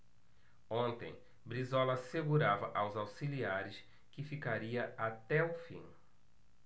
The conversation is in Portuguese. ontem brizola assegurava aos auxiliares que ficaria até o fim